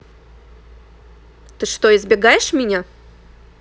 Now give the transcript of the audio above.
ты что избегаешь от меня